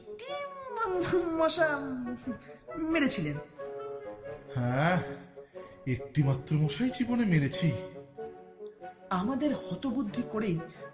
মশা মেরে ছিলেন হ্যাঁ একটি মাত্র মশাই জীবনে মেরেছি আমাদের হতবুদ্ধি করে